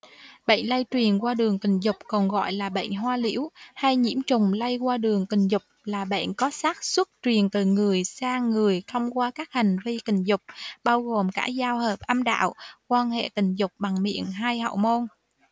bệnh lây truyền qua đường tình dục còn gọi là bệnh hoa liễu hay nhiễm trùng lây qua đường tình dục là bệnh có xác suất truyền từ người sang người thông qua các hành vi tình dục bao gồm cả giao hợp âm đạo quan hệ tình dục bằng miệng hay hậu môn